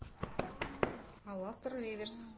аластер реверс